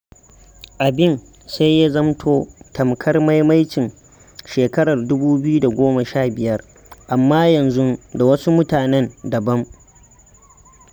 Abin sai ya zamto tamkar maimaicin shekarar 2015 amma yanzu da wasu mutanen dabam.